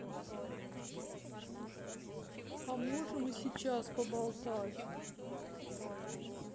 а можем и сейчас поболтать